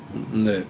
Y- yndi.